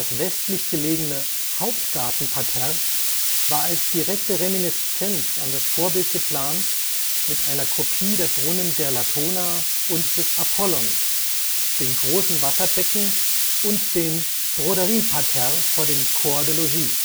westlich gelegene Hauptgartenparterre war als direkte Reminiszenz an das Vorbild geplant, mit einer Kopie der Brunnen der Latona und des Apollon, den großen Wasserbecken und den Broderieparterres vor dem Corps de Logis